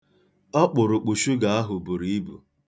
Ọkpụrụkpụ shuga ahụ buru ibu.